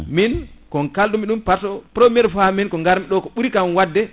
min ko kaldumi ɗum par :ce que premiére fois min ko gaarmi ɗo ko ɓuuri kam wadde